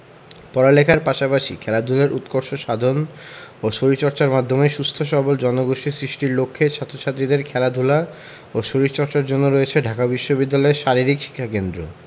পড়ালেখার পাশাপাশি খেলাধুলার উৎকর্ষ সাধন এবং শরীরচর্চার মাধ্যমে সুস্থ সবল জনগোষ্ঠী সৃষ্টির লক্ষ্যে ছাত্র ছাত্রীদের খেলাধুলা ও শরীরচর্চার জন্য রয়েছে ঢাকা বিশ্ববিদ্যালয়ে শারীরিক শিক্ষাকেন্দ্র